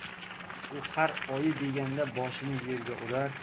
u har oyi deganda boshini yerga urar